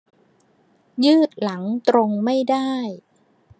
ยืดหลังตรงไม่ได้